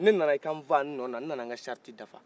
nnanan ika nfaa n nɔna n nana nka chariti dafa